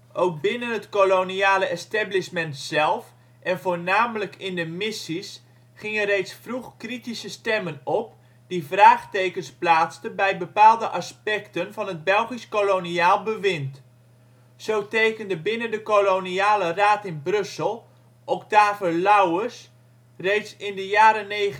Ook binnen het koloniale establishment zelf en voornamelijk in de missies gingen reeds vroeg kritische stemmen op, die vraagtekens plaatsten bij bepaalde aspecten van het Belgisch koloniaal bewind. Zo tekende binnen de Koloniale Raad in Brussel Octave Louwers reeds in de jaren 1920